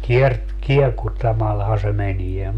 - kiekuttamallahan se menee